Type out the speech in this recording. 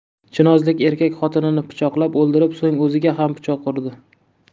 chinozlik erkak xotinini pichoqlab o'ldirib so'ng o'ziga ham pichoq urdi